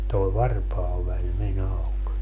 tuo varpaanväli meni auki